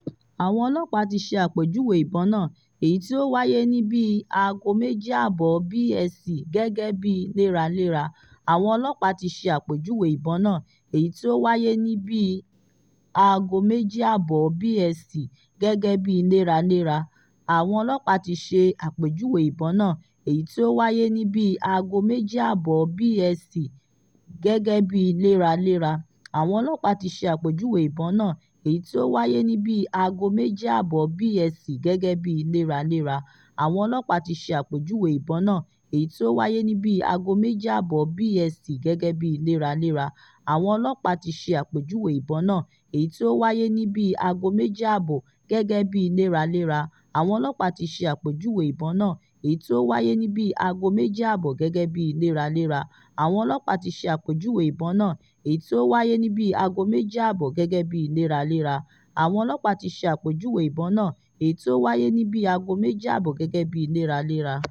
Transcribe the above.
Àwọn ọlọ́pàá ti ṣe àpèjúwe ìbọn náà, èyí tí ó wáyé ní bíi 02:30 BST, gẹ́gẹ́bí "léraléra".